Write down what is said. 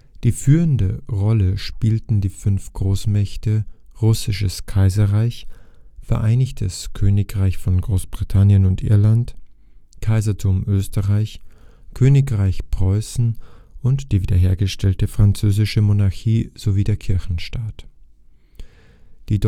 Die führende Rolle spielten die fünf Großmächte Russisches Kaiserreich, Vereinigtes Königreich Großbritannien und Irland, Kaisertum Österreich, Königreich Preußen und die wiederhergestellte französische Monarchie sowie der Kirchenstaat. Die